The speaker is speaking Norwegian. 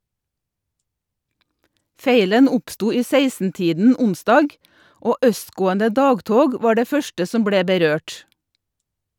Feilen oppsto i 16-tiden onsdag, og østgående dagtog var det første som ble berørt.